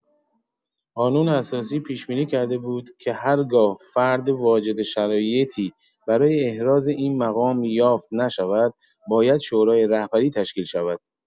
قانون اساسی پیش‌بینی کرده بود که هرگاه فرد واجد شرایطی برای احراز این مقام یافت نشود، باید شورای رهبری تشکیل شود.